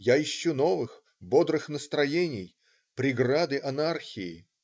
Я ищу новых, бодрых настроении-преграды анархии.